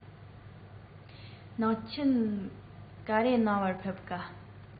ནག ཆུར ག རེ གནང བར ཕེབས ཀ